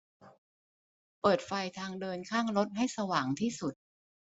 เปิดไฟทางเดินข้างรถให้สว่างที่สุด